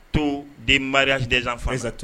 Taux de mariage des enfants, exactement